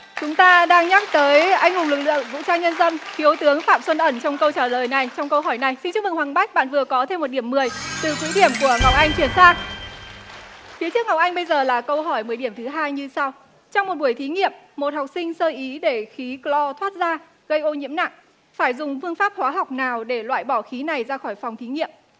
chúng ta đang nhắc tới anh hùng lực lượng vũ trang nhân dân thiếu tướng phạm xuân ẩn trong câu trả lời này trong câu hỏi này xin chúc mừng hoàng bách bạn vừa có thêm một điểm mười từ quỹ điểm của ngọc anh chuyển sang phía trước ngọc anh bây giờ là câu hỏi mười điểm thứ hai như sau trong một buổi thí nghiệm một học sinh sơ ý để khí cờ lo thoát ra gây ô nhiễm nặng phải dùng phương pháp hóa học nào để loại bỏ khí này ra khỏi phòng thí nghiệm